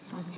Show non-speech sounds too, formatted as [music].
[hesitation] [hesitation]